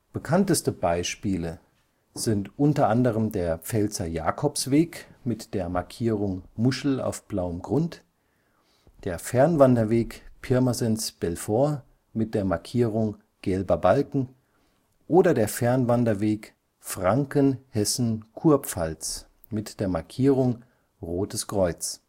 Bekannte Beispiele sind u. a. der Pfälzer Jakobsweg (Markierung „ Muschel auf blauem Grund “), der Fernwanderweg „ Pirmasens-Belfort “(Markierung „ gelber Balken “) oder der Fernwanderweg „ Franken-Hessen-Kurpfalz “(Markierung „ rotes Kreuz